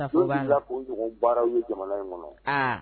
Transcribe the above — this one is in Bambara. Baara ye jamana in kɔnɔ